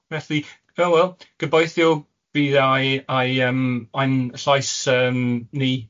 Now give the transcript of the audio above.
Felly, oh well, gobeithio bydd ai- ai- yym, ein llais yym ni